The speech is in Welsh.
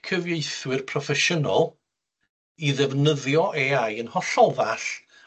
cyfieithwyr proffesiynol i ddefnyddio Ay I yn hollol ddall